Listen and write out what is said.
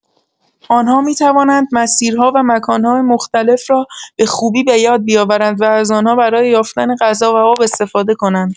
آنها می‌توانند مسیرها و مکان‌های مختلف را به خوبی بۀاد بیاورند و از آنها برای یافتن غذا و آب استفاده کنند.